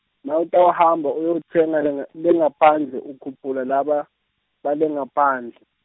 Nawutawuhamba uyowutsenga lenge-, lengaphandle ukhuphula laba, bale ngaphandle.